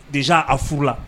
Déjà a furu la